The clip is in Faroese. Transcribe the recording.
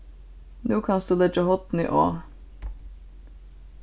nú kanst tú leggja hornið á